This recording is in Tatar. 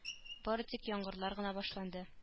Бары тик яңгырлар гына башланды